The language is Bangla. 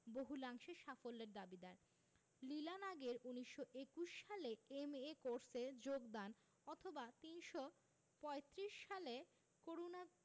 বহুলাংশে সাফল্যের দাবিদার লীলা নাগের ১৯২১ সালে এম.এ কোর্সে যোগদান অথবা ৩৩৫ সালে করুণা